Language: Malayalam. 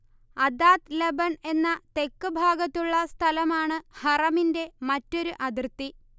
അദാത്ത് ലബൻ എന്ന തെക്ക് ഭാഗത്തുള്ള സ്ഥലമാണ് ഹറമിന്റെ മറ്റൊരു അതിർത്തി